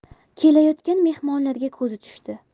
kelayotgan mehmonlarga ko'zi tushdi